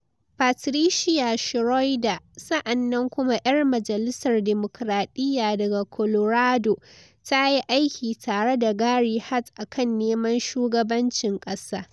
Patricia Schroeder, sa'an nan kuma yar majalisar dimokuradiyya daga Colorado, ta yi aiki tare da Gary Hart a kan neman shugabancin kasa.